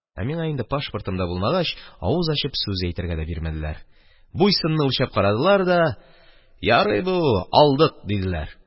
Ә миңа инде, пашпортым да булмагач, авыз ачып сүз әйтергә дә бирмәделәр, буй-сынны үлчәп карадылар да: «Ярый бу, алдык!» – диделәр.